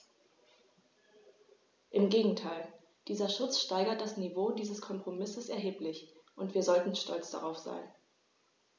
Im Gegenteil: Dieser Schutz steigert das Niveau dieses Kompromisses erheblich, und wir sollten stolz darauf sein.